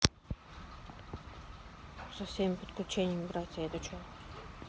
со всеми подключениями братья это че